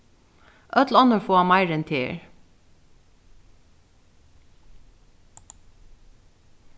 øll onnur fáa meira enn tær